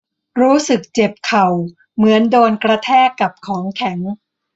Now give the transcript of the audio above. รู้สึกเจ็บเข่าเหมือนโดนกระแทกกับของแข็ง